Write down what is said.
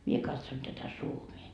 minä katson tätä Suomea